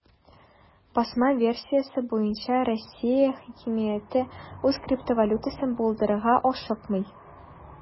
Басма версиясе буенча, Россия хакимияте үз криптовалютасын булдырырга ашыкмый.